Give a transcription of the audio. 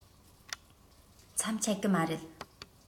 མཚམས ཆད གི མ རེད